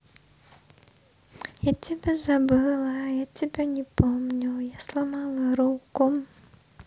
я тебя забыла я тебя не помню я сломала руку